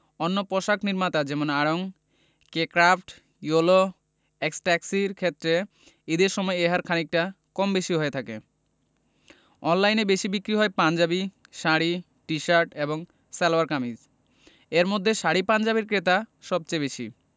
অন্য পোশাক নির্মাতা যেমন আড়ং কে ক্র্যাফট ইয়েলো এক্সট্যাসির ক্ষেত্রে ঈদের সময় এ হার খানিকটা কম বেশি হয়ে থাকে অনলাইনে বেশি বিক্রি হয় পাঞ্জাবি শাড়ি টি শার্ট এবং সালোয়ার কামিজ এর মধ্যে শাড়ি পাঞ্জাবির ক্রেতা সব থেকে বেশি